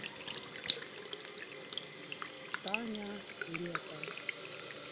таня лето